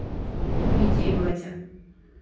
витя и батя